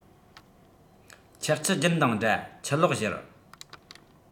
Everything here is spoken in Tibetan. ཆགས ཆུ རྒྱུན དང འདྲ ཆུ ལོག བཞུར